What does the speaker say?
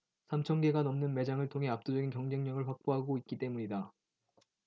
삼천 개가 넘는 매장을 통해 압도적인 경쟁력을 확보하고 있기 때문이다